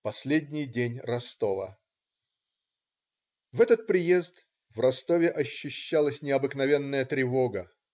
" Последний день Ростова В этот приезд в Ростове ощущалась необыкновенная тревога.